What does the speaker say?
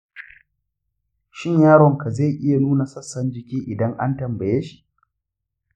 shin yaronka zai iya nuna sassan jiki idan an tambaye shi?